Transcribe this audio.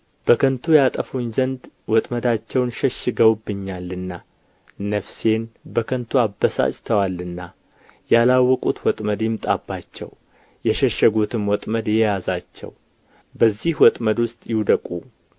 በከንቱ ያጠፉኝ ዘንድ ወጥመዳቸውን ሸሽገውብኛልና ነፍሴን በከንቱ አበሳጭተዋልና ያላወቁት ወጥመድ ይምጣባቸው የሸሸጉትም ወጥመድ ይያዛቸው በዚህ ወጥመድ ውስጥ ይውደቁ